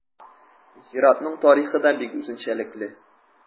Зиратның тарихы да бик үзенчәлекле.